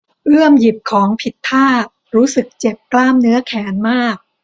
เอื้อมหยิบของผิดท่ารู้สึกเจ็บกล้ามเนื้อแขนมาก